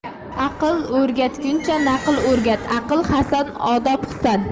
aql o'rgatguncha naql o'rgat aql hasan odob husan